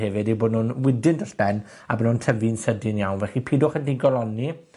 hefyd yw bod nw'n wydyn dros ben, a bo' nw'n tyfu'n sydyn iawn. Felly pidwch â di-goloni.